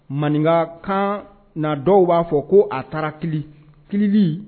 Maninga kan na dɔw ba fɔ ko a taara kili. Kilili